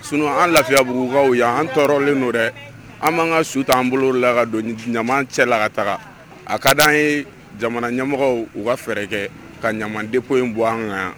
Sun an lafiya burukaw yan an tɔɔrɔlen n'o dɛ an b'an ka suta an bolo la ka ɲa cɛ la ka taga a ka di an ye jamana ɲɛmɔgɔ u ka fɛɛrɛ kɛ ka ɲama ko in bɔ an kan yan